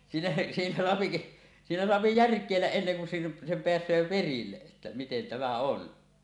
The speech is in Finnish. siinä siinä saa siinä saa järkeillä ennen kuin sen sen pääsee perille että miten tämä on